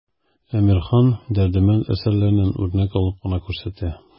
Әмирхан, Дәрдемәнд әсәрләреннән үрнәк алып кына күрсәтә.